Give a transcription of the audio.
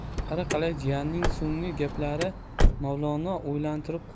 har qalay jiyanining so'nggi gaplari mavlononi o'ylantirib qo'ydi